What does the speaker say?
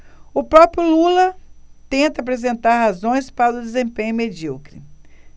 o próprio lula tenta apresentar razões para o desempenho medíocre